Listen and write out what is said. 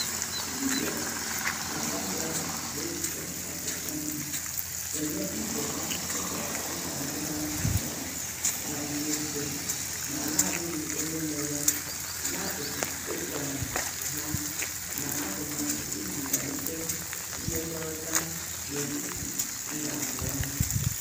India na Bangladesh ga-ejikọ aka ọnụ eme ncheta ụbọchị International Mother Language Day n'ala adịghị onye nwe ya n'akụkụ okè ala ha, n'atụmatụ iji kwalite mmekọrịta n'etiti mba abụọ ahụ.